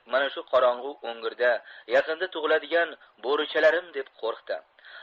mana shu qorong'i o'ngirda yaqinda tug'iladigan bo'richalarim deb qo'rqdi